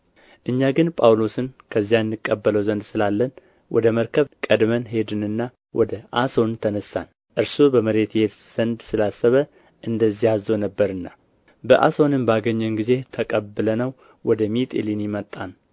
እኛ ግን ጳውሎስን ከዚያ እንቀበለው ዘንድ ስላለን ወደ መርከብ ቀድመን ሄድንና ወደ አሶን ተነሣን እርሱ በመሬት ይሄድ ዘንድ ስላሰበ እንደዚህ አዞ ነበርና በአሶንም ባገኘን ጊዜ ተቀብለነው ወደ ሚጢሊኒ መጣን